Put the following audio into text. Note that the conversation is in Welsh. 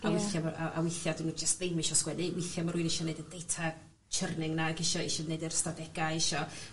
Ia. A withia ma' a a withia 'dyn ni jyst ddim isio sgwennu withia ma' rywun isio neud y data churning 'na ag isio isio neud yr ystadegau isio